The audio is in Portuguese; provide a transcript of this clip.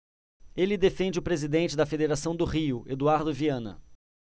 ele defende o presidente da federação do rio eduardo viana